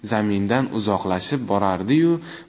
zamindan uzoqlashib borardi yu